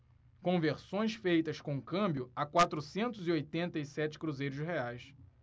conversões feitas com câmbio a quatrocentos e oitenta e sete cruzeiros reais